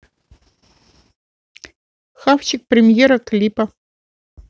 хавчик премьера клипа